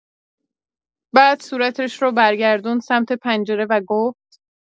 بعد صورتش رو برگردوند سمت پنجره و گفت: